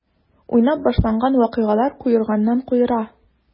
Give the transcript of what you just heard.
Уйнап башланган вакыйгалар куерганнан-куера.